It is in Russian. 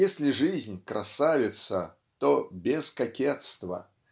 Если жизнь - красавица, то - без кокетства.